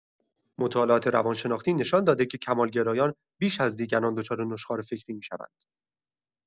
مطالعات روان‌شناختی نشان داده که کمال‌گرایان بیش از دیگران دچار نشخوار فکری می‌شوند.